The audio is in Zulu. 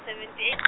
seventy eight.